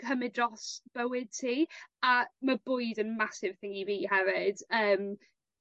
cymyd dros bywyd ti. A ma' bwyd yn massive thing i fi hefyd yym